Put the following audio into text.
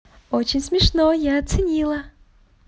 очень смешно я оценила